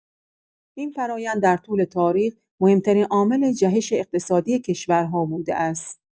این فرایند، در طول تاریخ، مهم‌ترین عامل جهش اقتصادی کشورها بوده است.